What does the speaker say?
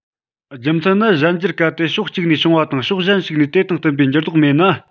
རྒྱུ མཚན ནི གཞན འགྱུར གལ ཏེ ཕྱོགས གཅིག ནས བྱུང བ དང ཕྱོགས གཞན ཞིག ནས དེ དང བསྟུན པའི འགྱུར ལྡོག མེད ན